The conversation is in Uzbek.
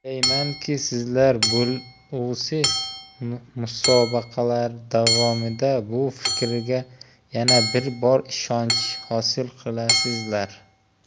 o'ylaymanki sizlar bo'lg'usi musobaqalar davomida bu fikrga yana bir bor ishonch hosil qilasizlar